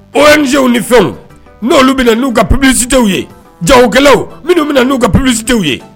O yezw ni fɛnw n'olu bɛ n'u ka pbitew ye jakɛlaw minnu bɛ na n'u ka pbitew ye